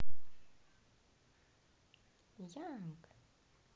young